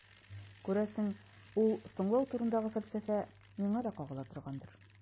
Күрәсең, ул «соңлау» турындагы фәлсәфә миңа да кагыла торгандыр.